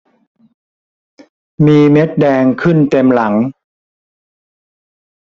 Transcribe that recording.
มีเม็ดแดงขึ้นเต็มหลัง